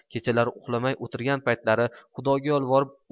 kechalari uxlamay o'tirgan paytlari xudoga yolborib